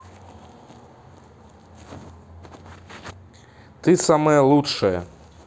ты самая лучшая